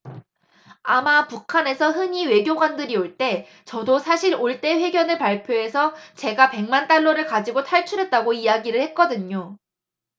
아마 북한에서 흔히 외교관들이 올 때 저도 사실 올 때 회견을 발표해서 제가 백 만 달러를 가지고 탈출했다고 이야기를 했거든요